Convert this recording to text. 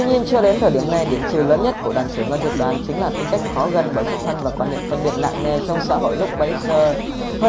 tuy nhiên cho đến thời điểm này điểm trừ lớn nhất của đoàn trưởng ngân dực đoàn chính là tính cách khó gần bởi xuất thân và quan niệm phân biệt nặng nề trong xã hội lúc bấy giờ